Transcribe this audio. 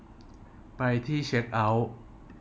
ไปที่เช็คเอ้าท์